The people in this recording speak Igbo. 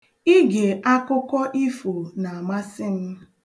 Ige akụkọ ifo na-amasị m.